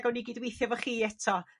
gawn ni gydweithio 'fo chi eto